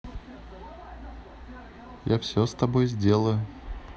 я все с тобой сделаю